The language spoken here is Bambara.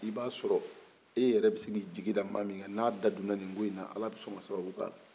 i b'a sɔrɔ e yɛrɛ bi se ka i jigi da maa min kan n'a da donan nin koyi na ala bi sɔn ka sababu k'a kan